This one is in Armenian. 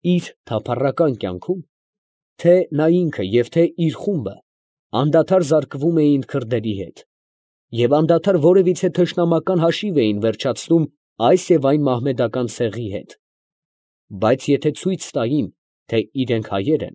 Իր թափառական կյանքում, թե՛ նա ինքը և թե՛ իր խումբը անդադար զարկվում էին քրդերի հետ, և անդադար որևիցե թշնամական հաշիվ էին վերջացնում այս և այն մահմեդական ցեղի հետ, բայց եթե ցույց տային, թե իրանք հայեր։